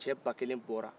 cɛ ba kelen bɔra